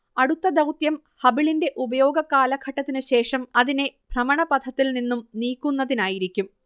അടുത്ത ദൗത്യം ഹബിളിന്റെ ഉപയോഗ കാലഘട്ടത്തിനു ശേഷം അതിനെ ഭ്രമണപഥത്തിൽ നിന്നും നീക്കുന്നതിനായിരിക്കും